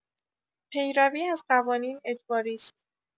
پیروی از قوانین اجباریست